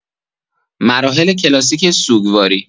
مراحل کلاسیک سوگواری